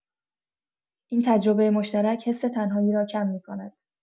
این تجربه مشترک، حس تنهایی را کم می‌کند.